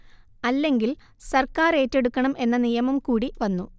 അല്ലെങ്കിൽ സർക്കാർ ഏറ്റെടുക്കണം എന്ന നിയമം കൂടി വന്നു